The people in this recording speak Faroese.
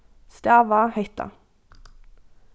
stava hetta